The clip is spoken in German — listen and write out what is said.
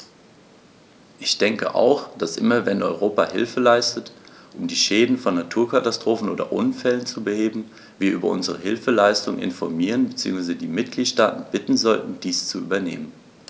Ich denke auch, dass immer wenn Europa Hilfe leistet, um die Schäden von Naturkatastrophen oder Unfällen zu beheben, wir über unsere Hilfsleistungen informieren bzw. die Mitgliedstaaten bitten sollten, dies zu übernehmen.